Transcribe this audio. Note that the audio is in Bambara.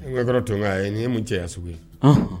N ka kɔrɔ tun ka ye nin ye mun cɛya sugu ye